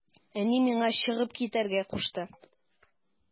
Әни миңа чыгып китәргә кушты.